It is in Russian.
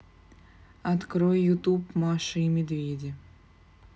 открой ютюб маша и медведи